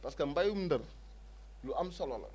parce que mbéyum ndër lu am solo la